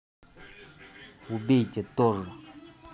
убейте тоже